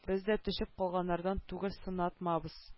Без дә төшеп калганнардан түгел сынатмабыз